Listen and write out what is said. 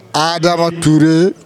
A dabɔ t